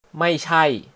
ไม่ใช่